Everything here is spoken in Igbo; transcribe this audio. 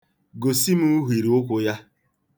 Gosi m uhiri ụkwụ ya.